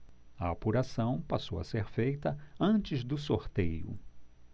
a apuração passou a ser feita antes do sorteio